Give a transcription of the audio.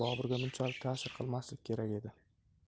bunchalik tasir qilmasligi kerak edi